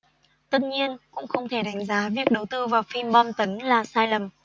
tất nhiên cũng không thể đánh giá việc đầu tư vào phim bom tấn là sai lầm